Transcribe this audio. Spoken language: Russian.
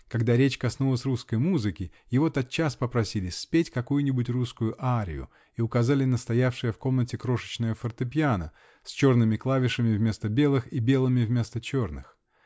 Когда речь коснулась русской музыки, его тотчас попросили спеть какую-нибудь русскую арию и указали на стоявшее в комнате крошечное фортепиано, с черными клавишами вместо белых и белыми вместо черных.